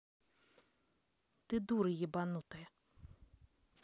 ты дура ебанутая